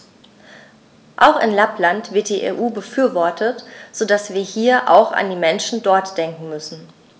Auch in Lappland wird die EU befürwortet, so dass wir hier auch an die Menschen dort denken müssen.